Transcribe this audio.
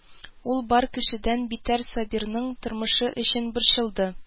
Ул бар кешедән битәр Сабирның тормышы өчен борчылды